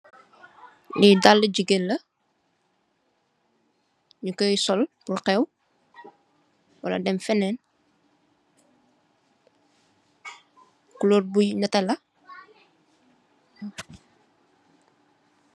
Li dalli jigeen la ñi koy sol purr xeew wala dem fenen. Kulor bu netteh la .